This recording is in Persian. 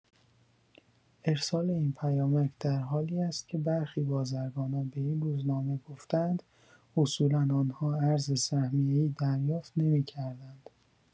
ارسال این پیامک در حالی است که برخی بازرگانان به این روزنامه گفته‌اند اصولا آنها ارز سهمیه‌ای دریافت نمی‌کردند.